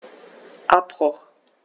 Abbruch.